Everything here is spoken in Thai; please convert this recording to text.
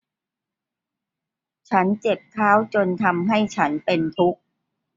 ฉันเจ็บเท้าจนทำให้ฉันเป็นทุกข์